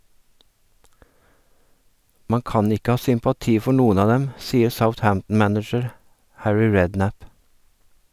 Man kan ikke ha sympati for noen av dem, sier Southampton-manager Harry Redknapp.